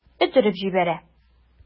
Эт өреп җибәрә.